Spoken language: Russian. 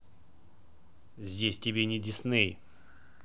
здесь тебе не disney